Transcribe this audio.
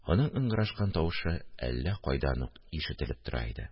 Аның ыңгырашкан тавышы әллә кайдан ук ишетелеп тора иде